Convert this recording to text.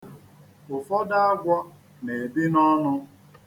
Ụfọdụ agwọ na-ebi n'ọnụ.